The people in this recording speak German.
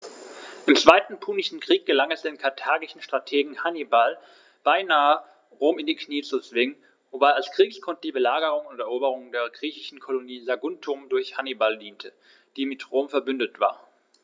Im Zweiten Punischen Krieg gelang es dem karthagischen Strategen Hannibal beinahe, Rom in die Knie zu zwingen, wobei als Kriegsgrund die Belagerung und Eroberung der griechischen Kolonie Saguntum durch Hannibal diente, die mit Rom „verbündet“ war.